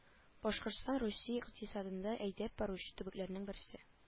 Башкортстан русия икътисадында әйдәп баручы төбәкләрнең берсе